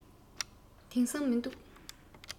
དེང སང མི འདུག